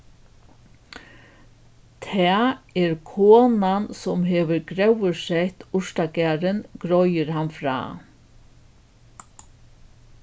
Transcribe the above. tað er konan sum hevur gróðursett urtagarðin greiðir hann frá